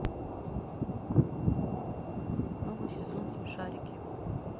новый сезон смешарики